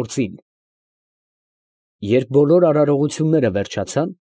Գործին»։ Երբ բոլոր արարողությունները վերջացան,